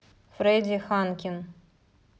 фредди ханкин